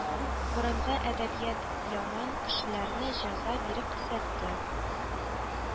Борынгы әдәбият яман кешеләрне җәза биреп төзәтте